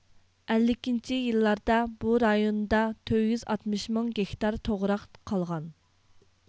ئەللىكىنچى يىللاردا بۇ رايوندا تۆت يۈز ئاتمىش مىڭ گېكتار توغراق قالغان